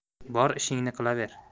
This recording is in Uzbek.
bor ishingni qilaver